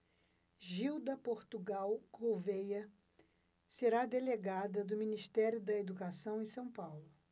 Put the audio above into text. gilda portugal gouvêa será delegada do ministério da educação em são paulo